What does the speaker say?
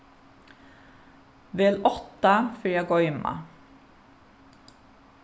vel átta fyri at goyma